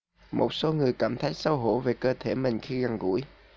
một số người cảm thấy xấu hổ về cơ thể mình khi gần gũi